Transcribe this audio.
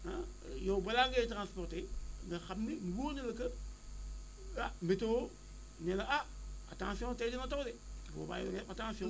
yow balaa ngay transporter nga xam ni mu wóor ne la que ah météo nee na ah attention tey dina taw de bu boobaa yow nga def attention